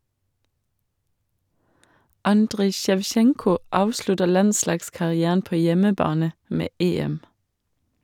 Andrij Sjevtsjenko avslutter landslagskarrieren på hjemmebane - med EM.